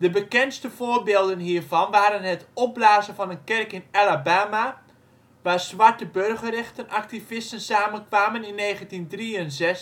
bekendste voorbeelden hiervan waren het opblazen van een kerk in Alabama waar zwarte burgerrechtenactivisten samenkwamen in 1963